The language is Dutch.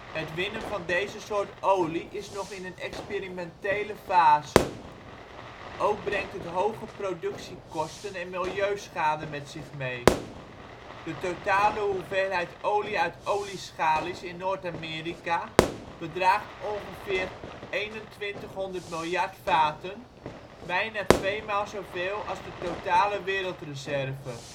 Het winnen van deze soort olie is nog in een experimentele fase. Ook brengt het hoge productiekosten en milieuschade met zich mee. De totale hoeveelheid olie uit olieschalies in Noord-Amerika bedraagt ongeveer 2100 miljard vaten (bijna tweemaal zoveel als de totale wereldreserve